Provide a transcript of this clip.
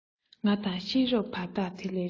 ང དང ཤེས རབ བར ཐག དེ ལས རིང